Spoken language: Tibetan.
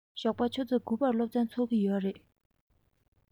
ཞོགས པ ཆུ ཚོད དགུ པར སློབ ཚན ཚུགས ཀྱི ཡོད རེད